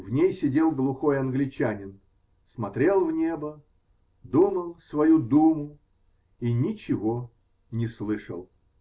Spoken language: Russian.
В ней сидел глухой англичанин, смотрел в небо, думал свою думу и ничего не слышал.